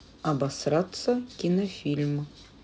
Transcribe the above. обосраться кинофильм